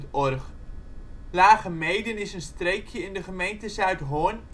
OL Lagemeeden is een streekje in de gemeente Zuidhorn